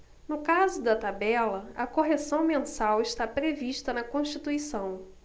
no caso da tabela a correção mensal está prevista na constituição